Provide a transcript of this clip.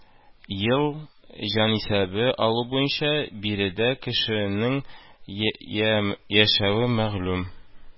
Ел җанисәбен алу буенча биредә кешенең яшәве мәгълүм